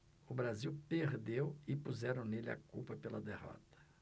o brasil perdeu e puseram nele a culpa pela derrota